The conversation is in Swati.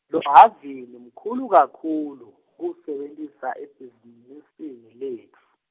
lohhavini mkhulu kakhulu , kuwusebentisa ebhizinisini letfu.